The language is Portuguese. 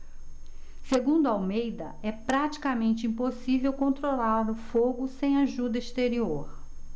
segundo almeida é praticamente impossível controlar o fogo sem ajuda exterior